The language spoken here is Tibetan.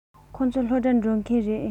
ཁོ ཚོ སློབ གྲྭར འགྲོ མཁན རེད